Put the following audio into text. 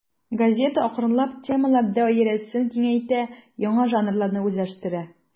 Газета акрынлап темалар даирәсен киңәйтә, яңа жанрларны үзләштерә.